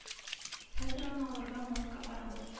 Хәзер аны алырга моргка барабыз